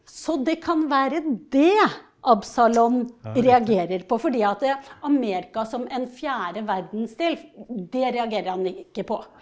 så det kan være det Absalon reagerer på fordi at Amerika som en fjerde verdens del, det reagerer han ikke på.